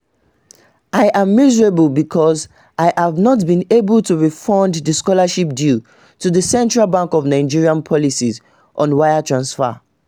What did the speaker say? I am miserable because I have not been able to refund the scholarship due to the Central Bank of Nigeria’s policy on wire transfers.